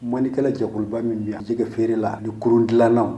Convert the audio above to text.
Mɔnnikɛla jɛkuluba min bi yan , jɛgɛ feereere la ni kurun gilannaw